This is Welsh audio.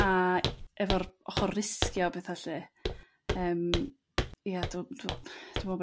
A efo'r ochor risgio petha' 'lly yrm ia dw- dw- dwi me'l